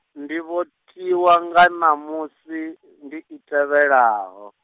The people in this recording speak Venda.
ndivhotiwa nga ṋamusi ndi i tevhelaho.